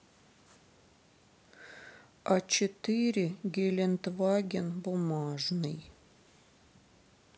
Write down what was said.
а четыре гелендваген бумажный